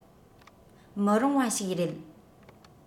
མི རུང བ ཞིག རེད